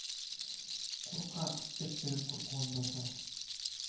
Куркак эт өреп куркуын басар